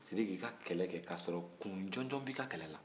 sidiki i ka kɛlɛkɛ k'a sɔrɔ kun jɔnjɔn b'i ka kɛlɛ la